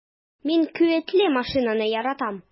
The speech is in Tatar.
Мин куәтле машинаны яратам.